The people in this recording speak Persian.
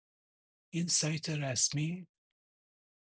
این سایت رسمی!